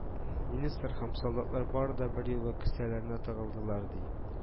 Министр һәм солдатлар бары да берьюлы кесәләренә тыгылдылар, ди